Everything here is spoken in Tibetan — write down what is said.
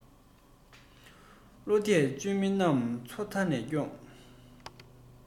བློ གཏད བཅོལ མི རྣམས ཚོ མཐའ ནས སྐྱོངས